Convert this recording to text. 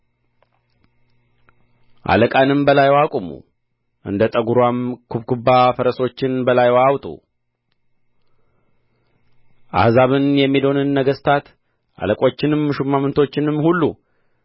አለቃንም በላይዋ አቁሙ እንደ ጠጉሯም ኩብኩባ ፈረሶችን በላይዋ አውጡ አሕዛብን የሚዶንንም ነገሥታት አለቆችንም ሹማምቶችንም ሁሉ